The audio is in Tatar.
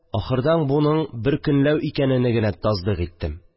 Ахырдан моның бер көнләү икәнене генә тәсдикъ иттем